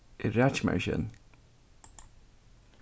eg raki mær ikki enn